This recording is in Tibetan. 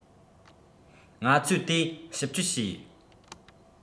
ང ཚོས དེ ཞིབ གཅོད བྱས